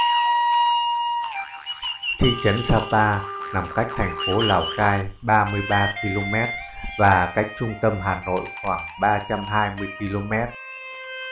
thị trấn sapa nằm cách thành phố lào cai km và cách trung tâm hà nội khoảng km